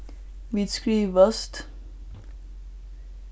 vit skrivast